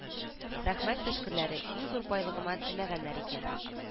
Рәхмәт төшкерләре иң зур байлыгыма тимәгәннәр икән